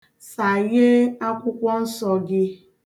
Saghee Akwụkwọ Nsọ gị.